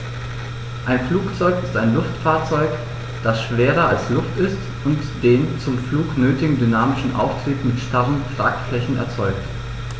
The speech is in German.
Ein Flugzeug ist ein Luftfahrzeug, das schwerer als Luft ist und den zum Flug nötigen dynamischen Auftrieb mit starren Tragflächen erzeugt.